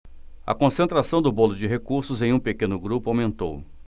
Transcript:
a concentração do bolo de recursos em um pequeno grupo aumentou